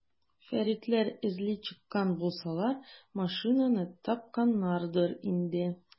Фәритләр эзли чыккан булсалар, машинаны тапканнардыр инде.